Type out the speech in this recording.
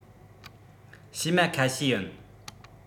བྱེ མ ཁ ཤས ཡིན